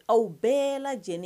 Aw bɛɛ lajɛlen